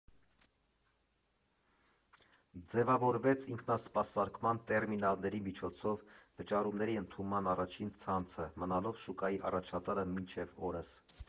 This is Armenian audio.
Ձևավորեց ինքնասպասարկման տերմինալների միջոցով վճարումների ընդունման առաջին ցանցը՝ մնալով շուկայի առաջատարը մինչև օրս։